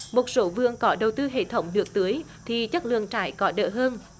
một số vườn có đầu tư hệ thống nước tưới thì chất lượng trái có đỡ hơn